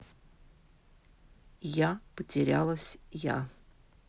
я потерялась я